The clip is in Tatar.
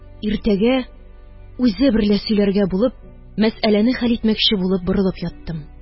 Иртәгә үзе берлә сөйләргә булып, мәсьәләне хәл итмәкче булып борылып яттым.